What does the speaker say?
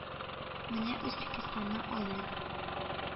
Менә Үзбәкстанны алыйк.